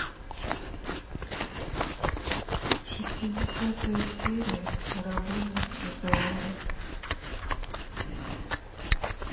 шестидесятая серия рабыня изаура